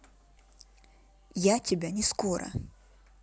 я тебя не скоро